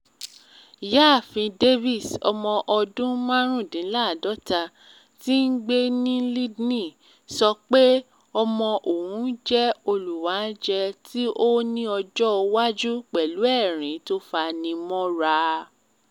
Ìyàáfin Davis, ọmọ ọdún 45, tíó ń gbé ní Lydney, sọ pé ọmọ òun jẹ́ olúwáńjẹ tí ‘’o ní ọjọ́ iwáajú pẹ̀lú ẹ̀rín tó fanimọ́ra